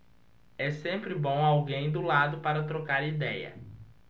é sempre bom alguém do lado para trocar idéia